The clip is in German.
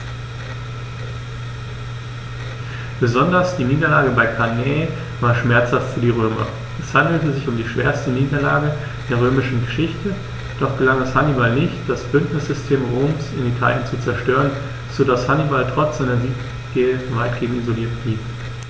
Besonders die Niederlage bei Cannae war schmerzhaft für die Römer: Es handelte sich um die schwerste Niederlage in der römischen Geschichte, doch gelang es Hannibal nicht, das Bündnissystem Roms in Italien zu zerstören, sodass Hannibal trotz seiner Siege weitgehend isoliert blieb.